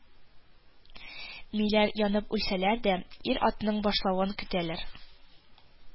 Миләр, янып үлсәләр дә, ир-атның башлавын көтәләр